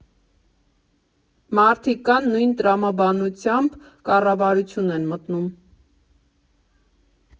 Մարդիկ կան նույն տրամաբանությամբ կառավարություն են մտնում։